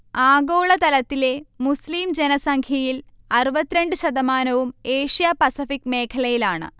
ആഗോളതലത്തിലെ മുസ്ലിം ജനസംഖ്യയിൽ അറുപത്രണ്ട് ശതമാനവും ഏഷ്യ-പസഫിക് മേഖലയിലാണ്